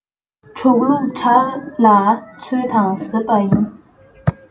འགྲོགས ལུགས དགྲ ལ འཚོལ དང ཟབ པ ཡིན